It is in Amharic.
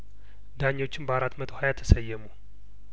ዳኞችም በአራት መቶ ሀያተሰየሙ